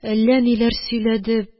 Әллә ниләр сөйләде